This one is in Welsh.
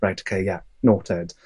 rite ok yea noted.